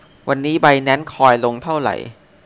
วันนี้ไบแนนซ์คอยลงเท่าไหร่